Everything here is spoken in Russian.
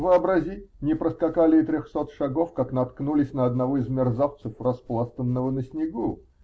Вообрази: не проскакали и трехсот шагов, как наткнулись на одного из мерзавцев, распластанного на снегу.